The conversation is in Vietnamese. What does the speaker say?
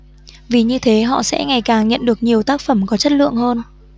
vì như thế họ sẽ ngày càng nhận được nhiều tác phẩm có chất lượng hơn